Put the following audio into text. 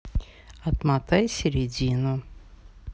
отмотай середину